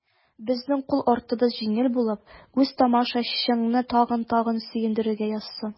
Безнең кул артыбыз җиңел булып, үз тамашачыңны тагын-тагын сөендерергә язсын.